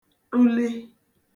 ṭụle